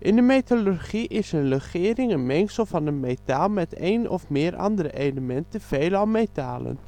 de metallurgie is een legering (spreek uit: legéring) een mengsel van een metaal met een of meer andere elementen, veelal metalen